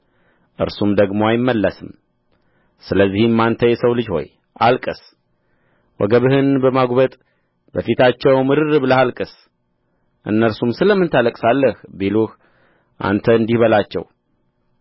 እርሱም ደግሞ አይመለስም ስለዚህም አንተ የሰው ልጅ ሆይ አልቅስ ወገብህን በማጕበጥ በፊታቸው ምርር ብለህ አልቅስ እነርሱም ስለ ምን ታለቅሳለህ ቢሉህ አንተ እንዲህ በላቸው